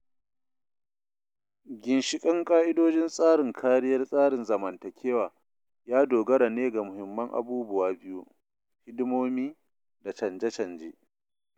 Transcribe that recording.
Ginshiƙan ƙa'idojin tsarin kariyar tsarin zamantakewa ya dogara ne ga muhimman abubuwa biyu: hidimomi da canje-canje.